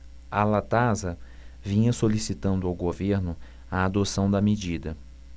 a latasa vinha solicitando ao governo a adoção da medida